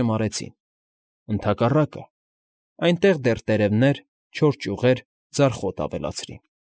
Չմարեցին։ Ընդհակառակն, այնտեղ դեռ տերևներ, չոր ճյուղեր, ձարխոտ ավելացրին։